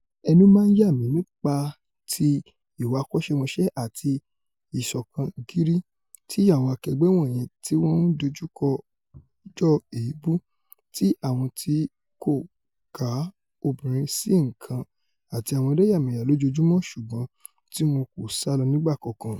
Ẹnu máa ń yà mi nípa ti ìwà akọ́ṣẹ́mọṣẹ́ àti ìṣọkàngírí ti àwọn akẹgbẹ́ wọ̀nyen tí wọ́n ń dojúkọ òjò èèbù ti àwọn tí kòka obìnrin sí nǹkan àti àwọn ẹlẹ́yàmẹ̀yà lójoojúmọ́ ṣùgbọ́n tíwọn kò sálọ nígbà kankan.